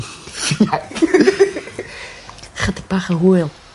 Chydig bach o hwyl.